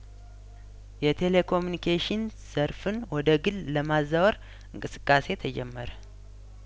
የቴሌኮሚኒኬሽን ዘርፍን ወደ ግል ለማዛወር እንቅስቃሴ ተጀመረ